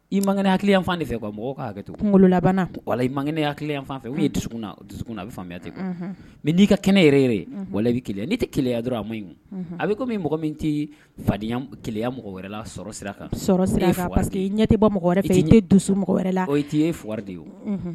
I mankɛya hakilileyan fan de fɛ ka mɔgɔ hakɛ kɛ to kungo labanana wala i mankɛya hakiliyan fan fɛ n dusu dusu na a bɛ fa ten mɛ n'i ka kɛnɛ yɛrɛ wa i bɛ kelen n' tɛleya dɔrɔn a ma a bɛ ko mɔgɔ min tɛ fadenyaya mɔgɔ wɛrɛ la sira kan sira ɲɛ tɛba mɔgɔ wɛrɛ fɛ i ye dusu mɔgɔ wɛrɛ la' ye fwa de ye